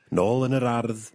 Nôl yn yr ardd...